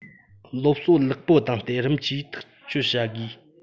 སློབ གསོ ལེགས པོ བཏང སྟེ རིམ གྱིས ཐག གཅོད བྱ དགོས